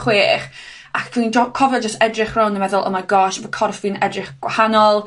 chwech, ac dwi'n jo- cofio jys edrych rownd a meddwl oh my gosh ma' corff fi'n edrych gwahanol,